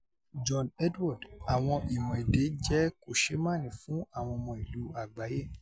John Edward: Àwọn ìmọ̀ èdè jẹ kòṣeémáàní fún àwọn ọmọ ìlú àgbáyé